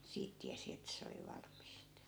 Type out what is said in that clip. siitä tiesi että se oli valmista